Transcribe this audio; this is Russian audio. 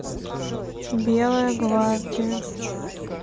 белая гвардия